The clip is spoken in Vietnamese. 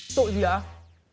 tội gì ạ